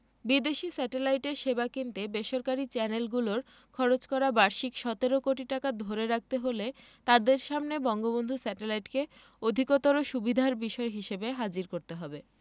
বিদেশি স্যাটেলাইটের সেবা কিনতে বেসরকারি চ্যানেলগুলোর খরচ করা বার্ষিক ১৭ কোটি টাকা ধরে রাখতে হলে তাদের সামনে বঙ্গবন্ধু স্যাটেলাইটকে অধিকতর সুবিধার বিষয় হিসেবে হাজির করতে হবে